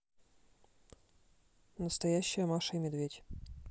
настоящая маша и медведь